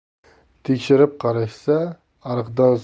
tekshirib qarashsa ariqdan